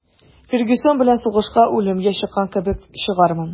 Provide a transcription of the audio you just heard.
«фергюсон белән сугышка үлемгә чыккан кебек чыгармын»